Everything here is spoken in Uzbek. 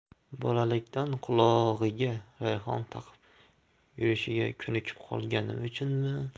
bolalikdan qulog'iga rayhon taqib yurishiga ko'nikib qolganim uchunmi